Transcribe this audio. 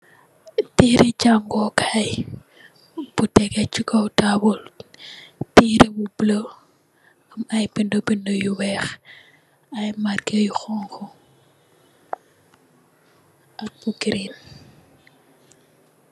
Teré jangèè kai bu tegeh ci kaw tabull biir bu bula, ay bindi bindi yu wèèx ay marké yu xonxu ak green.